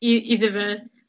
i- iddo fe